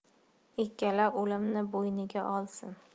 ikkala o'limni bo'yniga olsin